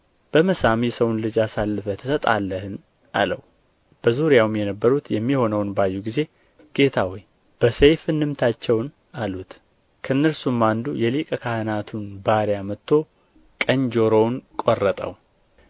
በመሳም የሰውን ልጅ አሳልፈህ ትሰጣለህን አለው በዙሪያውም የነበሩት የሚሆነውን ባዩ ጊዜ ጌታ ሆይ በሰይፍ እንምታቸውን አሉት ከእነርሱም አንዱ የሊቀ ካህናቱን ባሪያ መትቶ ቀኝ ጆሮውን ቈረጠው